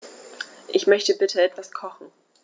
Ich möchte bitte etwas kochen.